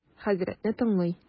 Хәзрәтне тыңлый.